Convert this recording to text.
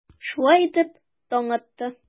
Шулай итеп, таң атты.